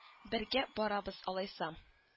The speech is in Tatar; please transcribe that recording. Бергә барабыз алайсам